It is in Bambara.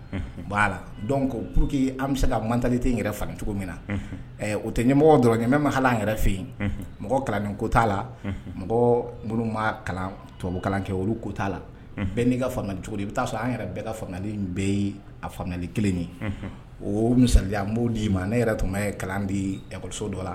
B la ko kuru queki an bɛ se ka mantali yɛrɛ fan cogo min na o tɛ ye mɔgɔ dɔrɔn bɛ ma an yɛrɛ fɛ yen mɔgɔ kalan ko t'a la mɔgɔ minnubabu kɛ olu ko t'a la bɛɛ'i ka fanga cogo bɛ taa sɔrɔ yɛrɛ kali bɛɛ ye ali kelen ye o misali b'i ma ne yɛrɛ tun bɛ kalan dikɔso dɔ la